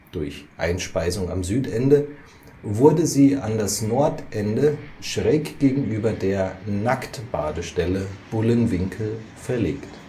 durch Einspeisung am Südende) wurde sie an das Nordende schräg gegenüber der Nacktbadestelle (Bullenwinkel) verlegt